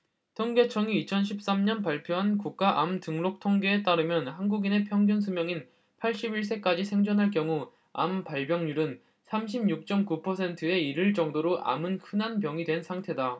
통계청이 이천 십 삼 년 발표한 국가암등록통계에 따르면 한국인의 평균수명인 팔십 일 세까지 생존할 경우 암발병률은 삼십 육 쩜 구 퍼센트에 이를 정도로 암은 흔한 병이 된 상태다